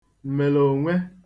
m̀mèlònwe